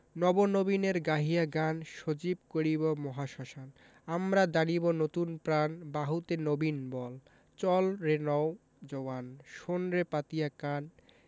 নব নবীনের গাহিয়া গান সজীব করিব মহাশ্মশান আমরা দানিব নতুন প্রাণ বাহুতে নবীন বল চল রে নও জোয়ান শোন রে পাতিয়া কান